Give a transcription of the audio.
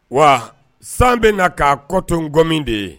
Wa san bena k'a kɔ to ngɔmi de ye